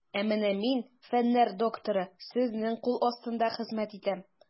Ә менә мин, фәннәр докторы, сезнең кул астында хезмәт итәм.